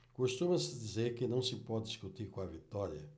costuma-se dizer que não se pode discutir com a vitória